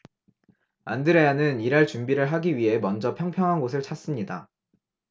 안드레아는 일할 준비를 하기 위해 먼저 평평한 곳을 찾습니다